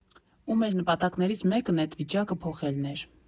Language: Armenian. Ու մեր նպատակներից մեկն էդ վիճակը փոխելն էր։